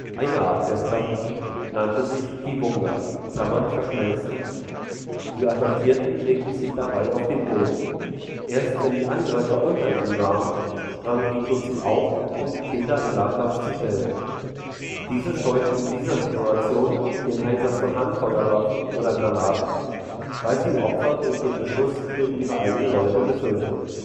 Eine Abwehrstrategie nannte sich kiwunga (verschmelzen). Die Attackierten legten sich dabei auf den Boden. Erst wenn die Angreifer unter ihnen waren, sprangen die Tutsi auf, um die Täter im Nahkampf zu stellen. Diese scheuten in dieser Situation den Einsatz von Handfeuerwaffen oder Granaten, weil sie Opfer durch den Beschuss durch eigene Leute befürchteten